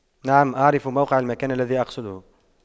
نعم اعرف موقع المكان الذي أقصده